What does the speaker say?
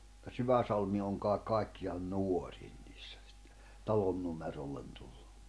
mutta Syväsalmi on kaikki kaikkiaan nuorin niissä sitten talonnumerolle tullut